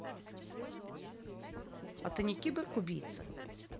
а ты не киборг убийца